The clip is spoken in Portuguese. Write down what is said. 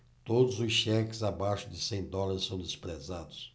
todos os cheques abaixo de cem dólares são desprezados